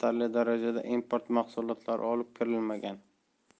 darajada import mahsulotlari olib kirilmagan